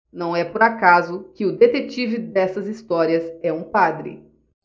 não é por acaso que o detetive dessas histórias é um padre